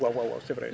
waaw waaw c' est vrai